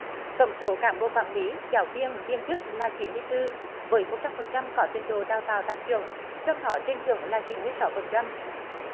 tổng số cán bộ quản lý giáo viên viên chức là chín mươi tư với một trăm phần trăm có trình độ đào tạo đạt chuẩn trong đó trên chuẩn là chín mươi sáu phần trăm